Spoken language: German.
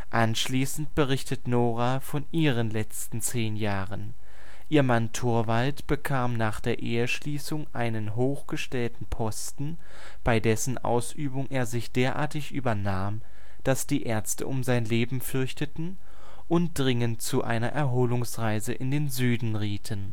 Anschließend berichtet Nora von ihren letzten zehn Jahren. Ihr Mann Torvald bekam nach der Eheschließung einen hochgestellten Posten, bei dessen Ausübung er sich derartig übernahm, dass die Ärzte um sein Leben fürchteten und dringend zu einer Erholungsreise in den Süden rieten